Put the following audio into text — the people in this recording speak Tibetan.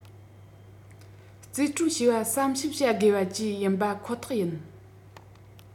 རྩིས སྤྲོད བྱས པ བསམ ཞིབ བྱ དགོས པ བཅས ཡིན པ ཁོ ཐག ཡིན